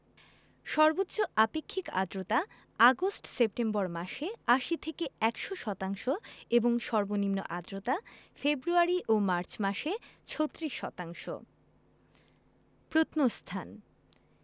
সর্বোচ্চ আপেক্ষিক আর্দ্রতা আগস্ট সেপ্টেম্বর মাসে ৮০ থেকে ১০০ শতাংশ এবং সর্বনিম্ন আর্দ্রতা ফেব্রুয়ারি ও মার্চ মাসে ৩৬ শতাংশ প্রত্নস্থান